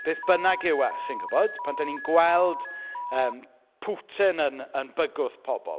Beth bynnag yw e, chi'n gwbod? Pan dan ni'n gweld, yym, Putin yn yn bygwth pobl.